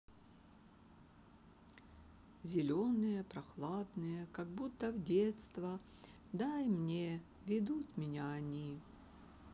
зеленые прохладные как будто в детство дай мне ведут меня они